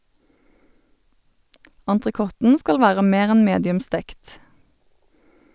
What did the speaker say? Entrecoten skal være mer enn medium stekt.